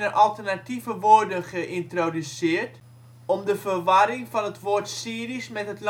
alternatieve woorden geïntroduceerd om de verwarring van het woord " Syrisch " met